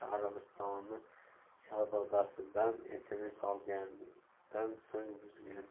arabistoni shahzodasidan sms olganidan so'ng buzgan